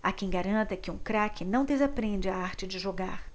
há quem garanta que um craque não desaprende a arte de jogar